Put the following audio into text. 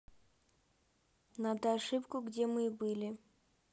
надо ошибку где мы и были